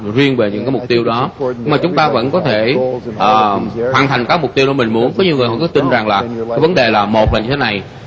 riêng về những cái mục tiêu đó mà chúng ta vẫn có thể ờm hoàn thành các mục tiêu mình muốn có nhiều người tin rằng là cái vấn đề là một là như thế này